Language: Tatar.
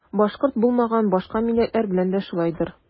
Башкорт булмаган башка милләтләр белән дә шулайдыр.